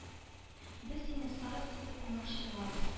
Без сине староста итеп куймакчы булабыз